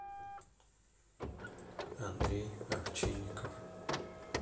андрей овчинников